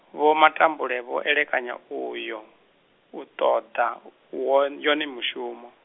Vho Matambule vho elekanya uyo, u ṱoḓa, won- yone mushumo.